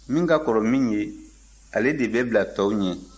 min ka kɔrɔ min ye ale de bɛ bila tɔw ɲɛ